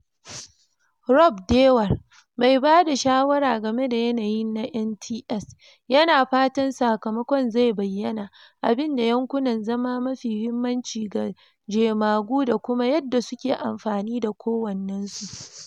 Rob Dewar, mai ba da shawara game da yanayin na NTS, yana fatan sakamakon zai bayyana abin da yankunan zama mafi muhimmanci ga jemagu da kuma yadda suke amfani da kowannensu.